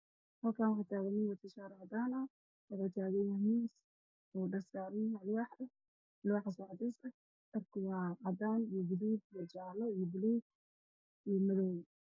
Halkaan waxaa taagan nin wato shaar cadaan ah waxuu taagan yahay miis dhar saaran yahay oo alwaax ah oo cadeys ah, dharku waa cadaan iyo gaduud, jaale, buluug iyo madow.